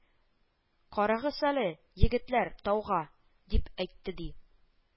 — карагыз әле, егетләр, тауга! — дип әйтте, ди